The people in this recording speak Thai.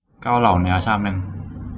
เกาเหลาเนื้อชามนึง